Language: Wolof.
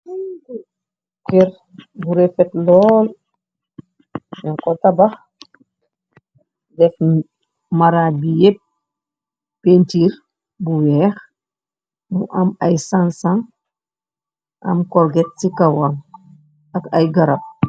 Kërr burefet lool nun ko tabax def mara bi yépp pentir bu weex mu am ay san-san am korget ci kawal ak ay garab.